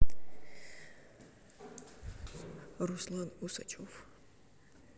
руслан усачев